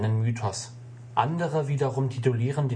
Mythos. “Andere wiederum titulieren